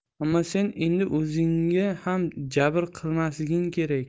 ammo sen endi o'zingga ham jabr qilmasliging kerak